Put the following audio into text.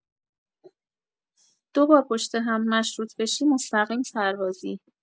دوبار پشت هم مشروط بشی مستقیم سربازی